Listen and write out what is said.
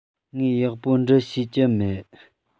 ངས ཡག པོ འབྲི ཤེས ཀྱི མེད